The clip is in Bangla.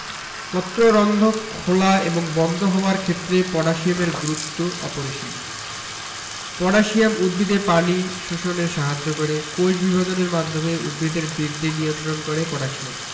পত্ররন্ধ্র খোলা এবং বন্ধ হওয়ার ক্ষেত্রে পটাশিয়ামের গুরুত্ব অপরিসীম পটাশিয়াম উদ্ভিদে পানি শোষণে সাহায্য করে কোষবিভাজনের মাধ্যমে উদ্ভিদের বৃদ্ধি নিয়ন্ত্রণ করে পটাশিয়াম